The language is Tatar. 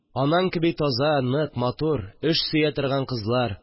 Анаң кеби таза, нык, матур, эш сөя торган кызлар